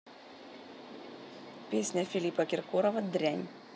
песня филиппа киркорова дрянь